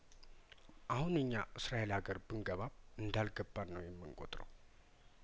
አሁን እኛ እስራኤል ሀገር ብን ገባም እንዳልገባን ነው የምን ቆጥረው